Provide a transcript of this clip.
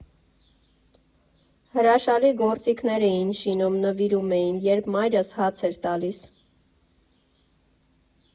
Հրաշալի գործիքներ էին շինում, նվիրում էին, երբ մայրս հաց էր տալիս։